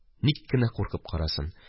Ник кенә куркып карасын